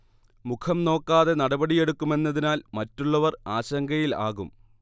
മുഖം നോക്കാതെ നടപടി എടുക്കുമെന്നതിനാൽ മറ്റുള്ളവർ ആശങ്കയിൽ ആകും